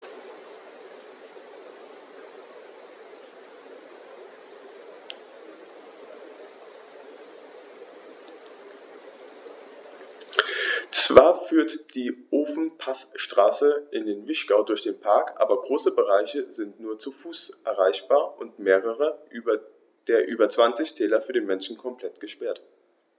Zwar führt die Ofenpassstraße in den Vinschgau durch den Park, aber große Bereiche sind nur zu Fuß erreichbar und mehrere der über 20 Täler für den Menschen komplett gesperrt.